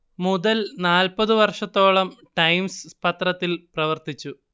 മുതൽ നാൽപ്പതു വർഷത്തോളം ടൈംസ് പത്രത്തിൽ പ്രവർത്തിച്ചു